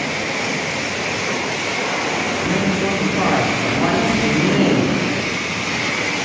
ну что тупая ну алиса умнее